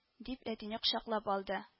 - дип әтине кочаклап алды